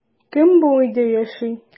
Кем бу өйдә яши?